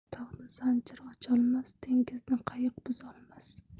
tog'ni zanjir ocholmas dengizni qayiq buzolmas